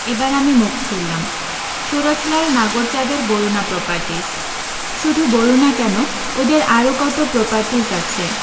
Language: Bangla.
এবার আমি মুখ খুললাম সুরজলাল নাগরচাঁদের বরুণা প্রপারটিজ শুধু বরুণা কেন ওদের আরও কত প্রপারটিজ আছে